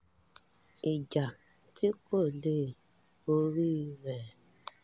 Ìjà tí kò lè borí rèé.